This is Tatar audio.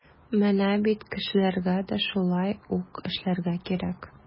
Менә бит кешеләргә дә шулай ук эшләргә кирәк.